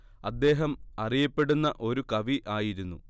അദ്ദേഹം അറിയപ്പെടുന്ന ഒരു കവി ആയിരുന്നു